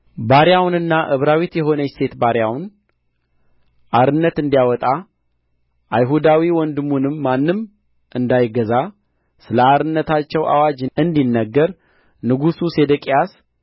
ባሪያውንና ዕብራዊት የሆነች ሴት ባሪያውን አርነት እንዲያወጣ አይሁዳዊ ወንድሙንም ማንም እንዳይገዛ ስለ አርነታቸው አዋጅ እንዲነገር ንጉሡ ሴዴቅያስ